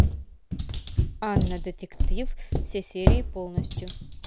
анна детектив все серии полностью